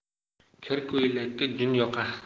kir ko'ylakka jun yoqa